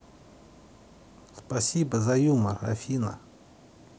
спасибо за юмор афина